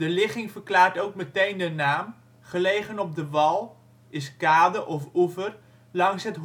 ligging verklaart ook meteen de naam: gelegen op de wal (= kade of oever) langs het